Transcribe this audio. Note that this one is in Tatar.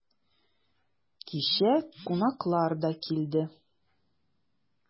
Кичә кунаклар да килде.